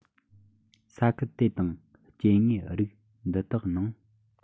ས ཁུལ དེ དང སྐྱེ དངོས རིགས འདི དག ནང